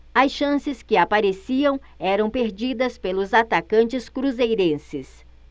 as chances que apareciam eram perdidas pelos atacantes cruzeirenses